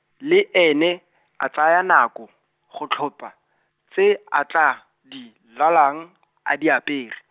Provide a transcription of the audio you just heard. le ene, a tsaya nako, go tlhopha, tse a tla, di, lalang , a di apere.